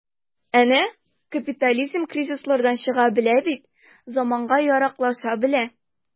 Әнә капитализм кризислардан чыга белә бит, заманга яраклаша белә.